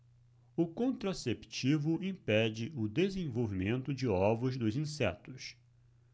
o contraceptivo impede o desenvolvimento de ovos dos insetos